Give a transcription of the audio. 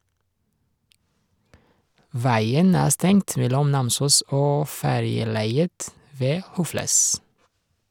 - Veien er stengt mellom Namsos og ferjeleiet ved Hofles.